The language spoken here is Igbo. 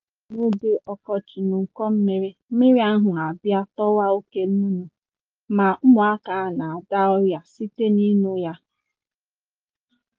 Ọ na-akadịrị njọ n'oge ọkọchị n'ụkọ mmiri; mmiri ahụ a bịa tọwa oke nnunnu, ma ụmụaka a na-ada ọrịa site n'ịṅụ ya.